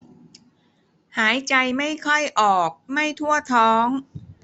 หายใจไม่ค่อยออกไม่ทั่วท้อง